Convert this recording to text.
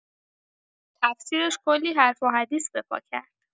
تفسیرش کلی حرف و حدیث به پا کرد.